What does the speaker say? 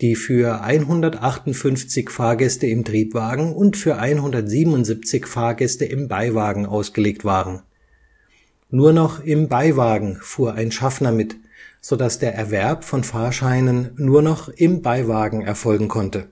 die für 158 Fahrgäste im Triebwagen und für 177 Fahrgäste im Beiwagen ausgelegt waren. Nur noch im Beiwagen fuhr ein Schaffner mit, sodass der Erwerb von Fahrscheinen nur noch im Beiwagen erfolgen konnte